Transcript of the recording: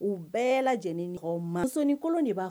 U bɛɛ lajɛlen ma munin kolon de b'a